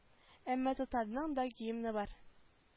Әмма татарның да гимны бар